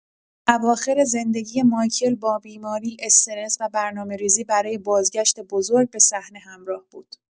اواخر زندگی مایکل با بیماری، استرس و برنامه‌ریزی برای بازگشت بزرگ به صحنه همراه بود.